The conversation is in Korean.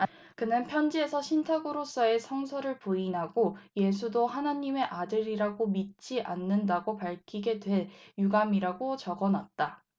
그는 편지에서 신탁으로써의 성서를 부인하고 예수도 하나님의 아들이라고 믿지 않는다고 밝히게 돼 유감이라고 적어놨다